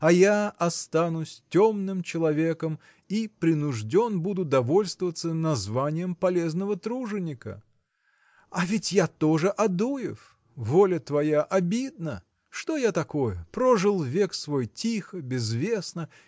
а я останусь темным человеком и принужден буду довольствоваться названием полезного труженика. А ведь я тоже Адуев! воля твоя, обидно! Что я такое? прожил век свой тихо безвестно